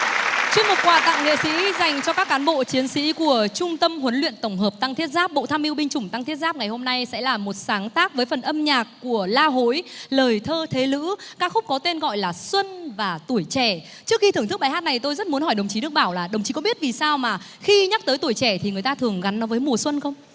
chuyên mục quà tặng nghệ sĩ dành cho các cán bộ chiến sĩ của trung tâm huấn luyện tổng hợp tăng thiết giáp bộ tham mưu binh chủng tăng thiết giáp ngày hôm nay sẽ là một sáng tác với phần âm nhạc của la hối lời thơ thế lữ ca khúc có tên gọi là xuân và tuổi trẻ trước khi thưởng thức bài hát này tôi rất muốn hỏi đồng chí đức bảo là đồng chí có biết vì sao mà khi nhắc tới tuổi trẻ thì người ta thường gắn nó với mùa xuân không